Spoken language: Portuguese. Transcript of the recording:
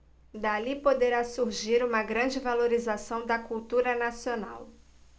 dali poderá surgir uma grande valorização da cultura nacional